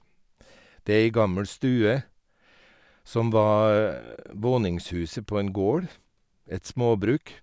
Det er ei gammel stue som var våningshuset på en gård, et småbruk.